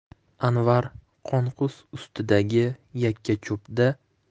anvar qonqus ustidagi yakkacho'pda